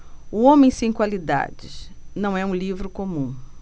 o homem sem qualidades não é um livro comum